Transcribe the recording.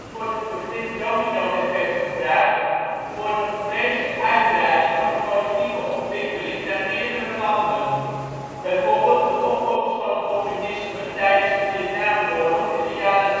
wordt het begrip domino-effect gebruikt voor een (gevreesde) uitbreiding van een politieke ontwikkeling naar meerdere landen. Bijvoorbeeld de opkomst van het communisme tijdens de Vietnamoorlog in de jaren